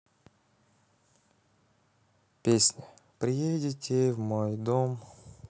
песня приедете в мой дом